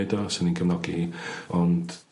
...neud o swn i'n cyfnogi hi ond